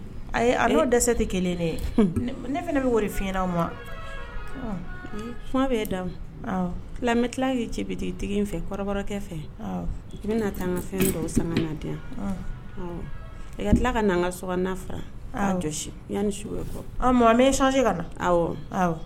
A a'o dɛsɛ tɛ kelen dɛ ye ne fana bɛ wari fi aw ma bɛ da tila ye cɛti tigi fɛ kɔrɔkɛ fɛ bɛna na taa fɛn san diya i ka tila ka nan ka so faga yan mɔgɔ sonsi ka aw